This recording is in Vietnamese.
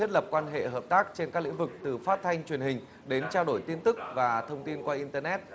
thiết lập quan hệ hợp tác trên các lĩnh vực từ phát thanh truyền hình đến trao đổi tin tức và thông tin qua in tơ nét